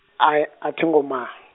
ai a thongo ma-.